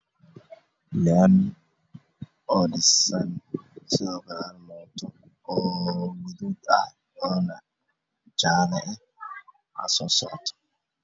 Waa laami oo dhisan sidoo kale mooto gaduud iyo jaale ah ayaa soo socoto.